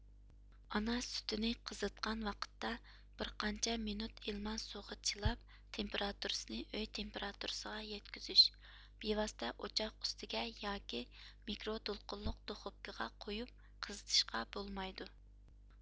ئانا سۈتىنى قىزىتقان ۋاقىتتا بىرقانچە مىنۇت ئىلمان سۇغا چىلاپ تېمپېراتۇرىسىنى ئۆي تېمپېراتۇرىسىغا يەتكۈزۈش بىۋاسىتە ئوچاق ئۈستىگە ياكى مىكرو دولقۇنلۇق دوخۇپكىغا قويۇپ قىزىتىشقا بولمايدۇ